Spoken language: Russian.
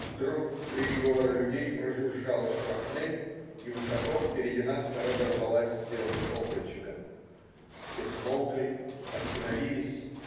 Вдруг, среди говора людей, прожужжала шрапнель и высоко, впереди нас, разорвалась белым облачком. Все смолкли, остановились.